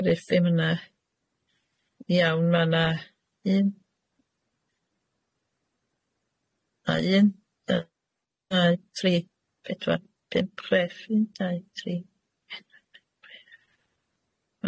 Griff ddim yna. Iawn ma' na un a un a dau tri pedwar pump chwerth, un dau tri pedwa pump chwerch.